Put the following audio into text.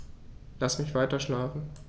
Lass mich weiterschlafen.